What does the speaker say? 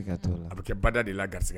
Bada de la gari